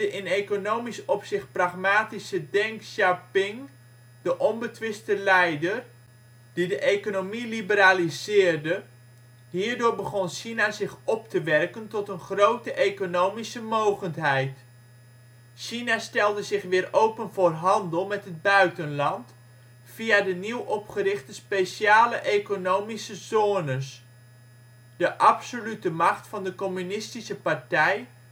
in economisch opzicht pragmatische Deng Xiaoping de onbetwiste leider, die de economie liberaliseerde (Marktsocialisme). Hierdoor begon China zich op te werken tot een grote economische mogendheid. China stelde zich weer open voor handel met het buitenland via de nieuw opgerichte Speciale Economische Zones. De absolute macht van de communistische partij